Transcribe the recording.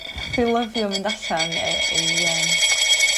Dwi lyfio mynd allan yy i yym